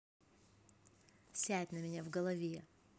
сядь на меня в голове